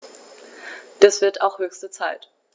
Das wird auch höchste Zeit!